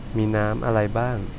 มีน้ำอะไรบ้าง